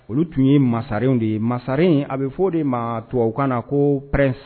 Olu tun ye masaren de ye masaren a bɛ fɔ o de ma tubabu kan na ko pɛs